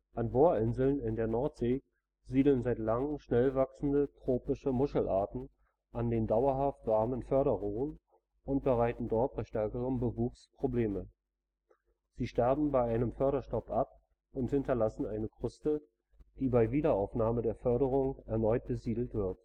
An Bohrinseln in der Nordsee siedeln seit langem schnell wachsende tropische Muschelarten an den dauerhaft warmen Förderrohren und bereiten dort bei stärkerem Bewuchs Probleme. Sie sterben bei Förderstopp ab und hinterlassen eine Kruste, die bei Wiederaufnahme der Förderung erneut besiedelt wird